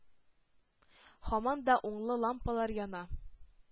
Һаман да унлы лампалар яна.